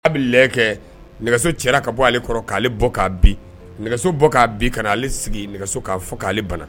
Hali le nɛgɛso cɛla ka bɔ ale kɔrɔ k'ale bɔ' nɛgɛso bɔ' kaale sigi nɛgɛ'a k'ale bana